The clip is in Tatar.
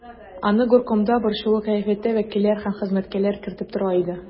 Аны горкомда борчулы кыяфәттә вәкилләр һәм хезмәткәрләр көтеп тора иде.